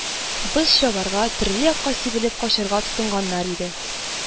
Быз чабарга, төрле якка сибелеп качарга тотынганнар иде